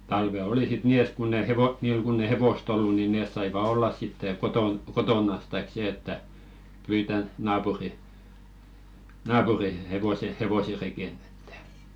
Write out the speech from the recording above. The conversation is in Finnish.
talvet oli sitten niin että kun ei - niillä kun ei hevosta ollut niin ne saivat olla sitten kotona kotonansa tai se että pyytää naapurin naapurin hevoset hevoset rekeen että